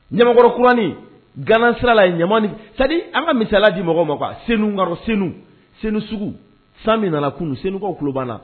Ɲmaakɔrɔkuranin Gana sirala yen, ɲamain c'est à dire an ka misaliya di mɔgɔw ma Senu , Sen sugu, san min nana kunun, Senukaw tulo b'anna!